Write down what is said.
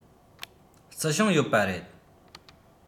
རྩི ཤིང ཡོད པ རེད